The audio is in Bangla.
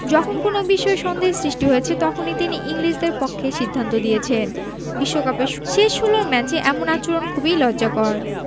যখন কোনো বিষয়ে সন্দেহের সৃষ্টি হয়েছে তখনই তিনি ইংলিশদের পক্ষে সিদ্ধান্ত দিয়েছেন বিশ্বকাপের শেষ ষোলর ম্যাচে এমন আচরণ খুবই লজ্জাস্কর